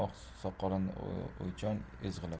otasi uzun oq soqolini o'ychan ezg'ilab